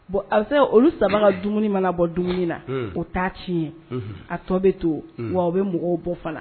Bon a se olu saba ka dumuni mana bɔ dumuni na o taa tiɲɛ a tɔ bɛ to bɛ mɔgɔw bɔ fala